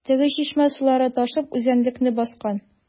Теге чишмә сулары ташып үзәнлекне баскан.